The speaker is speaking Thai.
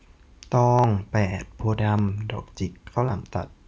ตองแปดโพธิ์ดำดอกจิกข้าวหลามตัด